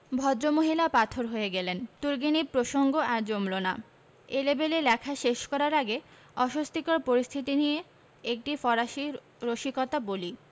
ভদ্র মহিলা পাথর হয়ে গেলেন তুর্গেনিভ প্রসঙ্গ আর জমল না এলেবেলে লেখা শেষ করার আগে অস্বস্তিকর পরিস্থিতি নিয়ে একটি ফরাসি রসিকতা বলি